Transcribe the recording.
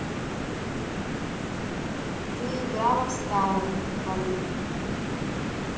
ты играла в старой вали